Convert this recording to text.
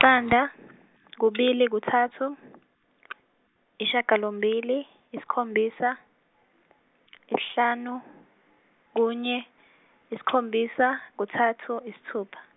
-qanda kubili kuthathu isishagalombili isikhombisa isihlanu kunye isikhombisa kuthathu isithupha.